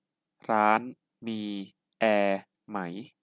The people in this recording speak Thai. ร้านมีแอร์ไหม